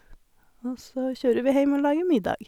Og så kjører vi heim og lager middag.